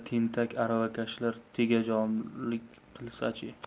tentak aravakashlar tegajog'lik qilsachi